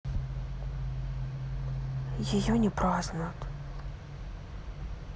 ее не празднуют